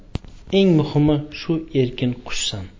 eng muximi shu erkin qushsan